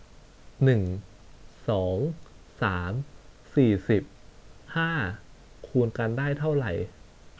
หนึ่งสองสามสี่สิบห้าคูณกันได้เท่าไหร่